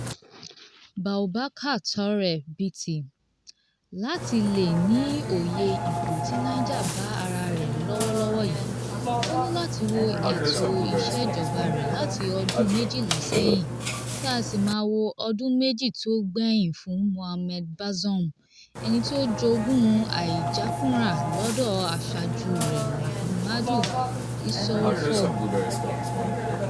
Boubacar Touré (BT): Láti lè ní òye ipò tí Niger bá ara rẹ̀ lọ́wọ́lọ́wọ́ yìí, o ní láti wo ètò ìṣèjọba rẹ̀ láti ọdún 12 sẹ́yìn, kí á sì má wo ọdún méjì tí ó gbẹ̀yìn fún Mohamed Bazoum, ẹni tí ó jogún àìjákúnra lọ́dọ̀ aṣáájú rẹ̀ Mahamadou Issoufou.